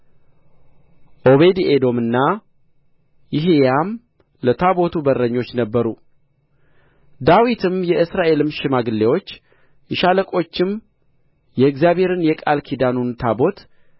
ዖቤድኤዶምና ይሒያም ለታቦቱ በረኞች ነበሩ ዳዊትም የእስራኤልም ሽማግሌዎች የሻለቆችም የእግዚአብሔርን የቃል ኪዳኑን ታቦት